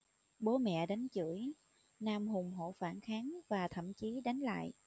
bố mẹ đánh chửi nam hùng hổ phản kháng và thậm chí đánh lại